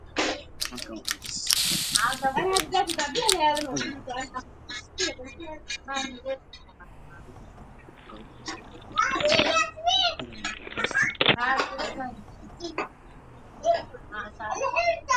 Waa guryo waxaa dhex maro wado waxaa maraayo bajajyo